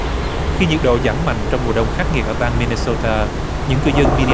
khi nhiệt độ giảm mạnh trong mùa đông khắc nghiệt ở bang mi ni sô ta những cư dân min